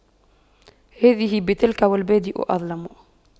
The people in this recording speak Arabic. هذه بتلك والبادئ أظلم